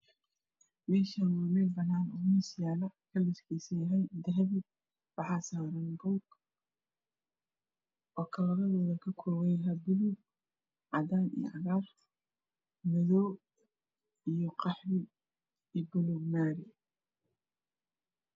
Halkan waa qol wax yalo miis wax saran bugaag kalarkodu uu yahay cadan, madow, dahabi, jale iyo baluug.